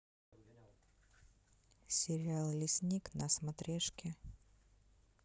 сериал лесник на смотрешке